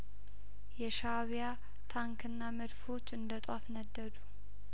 የሻእቢያ ታንክና መድፎች እንደጧፍ ነደዱ